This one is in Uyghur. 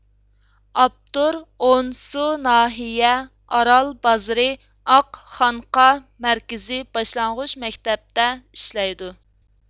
ئاپتور ئونسۇ ناھىيە ئارال بازىرى ئاقخانقا مەركىزىي باشلانغۇچ مەكتەپتە ئىشلەيدۇ